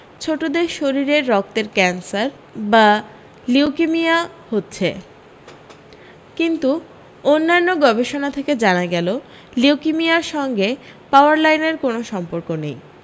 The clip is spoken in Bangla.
ছোটদের শরীরে রক্তের ক্যানসার বা লিউকিমিয়া হচ্ছে কিন্তু অন্যান্য গবেষণা থেকে জানা গেল লিউকিমিয়ার সঙ্গে পাওয়ার লাইনের কোনও সম্পর্ক নেই